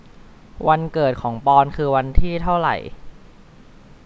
วันเกิดของปอนด์คือวันที่เท่าไร